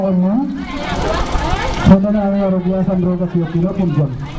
* ngenɗa na nuun a rog yaasam roga ci o kino kin jàm